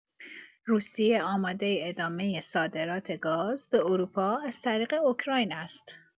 روسیه آماده ادامه صادرات گاز به اروپا از طریق اوکراین است.